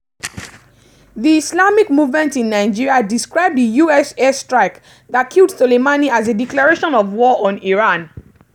The Islamic movement in Nigeria described the US airstrike that killed Soleimani as a "declaration of war on Iran".